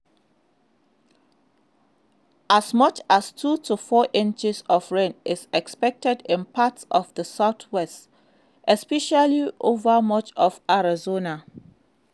As much as 2 to 4 inches of rain is expected in parts of the Southwest, especially over much of Arizona.